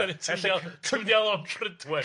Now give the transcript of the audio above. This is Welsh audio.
ti'n mynd i a- ti'n mynd i alw o'n Prydwen.